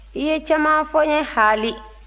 i ye caman fo n ye haali